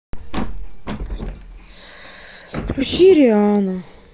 включи рианну